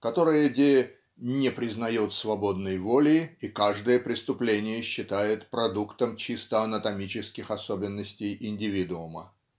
которая-де "не признает свободной воли и каждое преступление считает продуктом чисто анатомических особенностей индивидуума".